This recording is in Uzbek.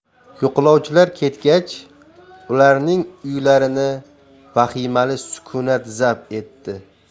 yo'qlovchilar ketgach ularning uylarini vahimali sukunat zabt etdi